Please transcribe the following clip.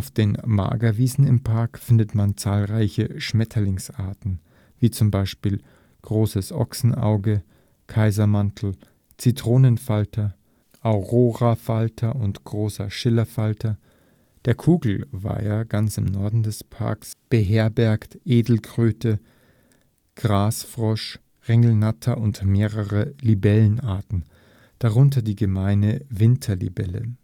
den Magerwiesen im Park findet man zahlreiche Schmetterlingsarten, wie z. B. Großes Ochsenauge, Kaisermantel, Zitronenfalter, Aurorafalter und Großer Schillerfalter. Der Kugelweiher ganz im Norden des Parks beherbergt Erdkröte, Grasfrosch, Ringelnatter und mehrere Libellenarten, darunter die Gemeine Winterlibelle